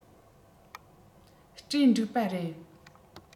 གྲོས འགྲིག པ རེད